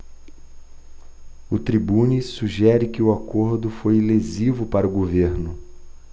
o tribune sugere que o acordo foi lesivo para o governo